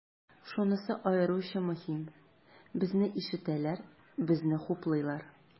Шунысы аеруча мөһим, безне ишетәләр, безне хуплыйлар.